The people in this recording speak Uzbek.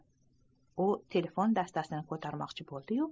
u telefon dastasini ko'tarmoqchi bo'ldi yu